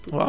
waaw